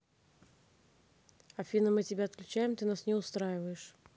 афина мы тебя отключаем ты нас не устраиваешь